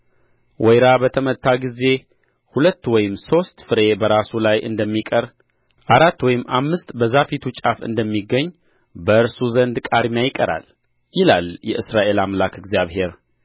ወይራ በተመታ ጊዜ ሁለት ወይም ሦስት ፍሬ በራሱ ላይ እንደሚቀር አራት ወይም አምስት በዛፊቱ ጫፍ እንደሚገኝ በእርሱ ዘንድ ቃርሚያ ይቀራል ይላል የእስራኤል አምላክ እግዚአብሔር